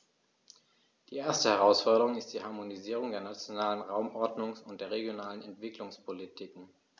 Die erste Herausforderung ist die Harmonisierung der nationalen Raumordnungs- und der regionalen Entwicklungspolitiken.